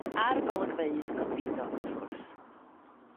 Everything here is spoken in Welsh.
A'r golygfeydd godidog wrth gwrs.